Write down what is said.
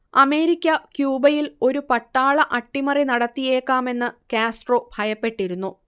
America ക്യൂബയിൽ ഒരു പട്ടാള അട്ടിമറി നടത്തിയേക്കാമെന്ന് കാസ്ട്രോ ഭയപ്പെട്ടിരുന്നു